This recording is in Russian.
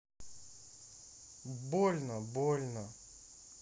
больно больно